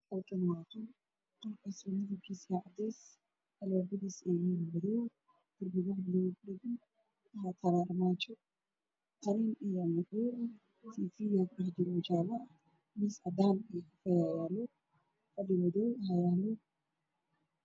Waa qol waxaa ka yaalo t v darbiga ku dhegan waxaa kaloo yaalo mutaleel iyo fadhi